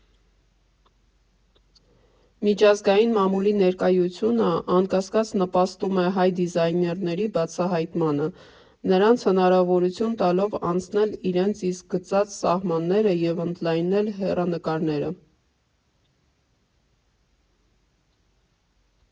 Միջազգային մամուլի ներկայությունը, անկասկած, նպաստում է հայ դիզայներների բացահայտմանը, նրանց հնարավորություն տալով անցնել իրենց իսկ գծած սահմանները և ընդլայնել հեռանկարները։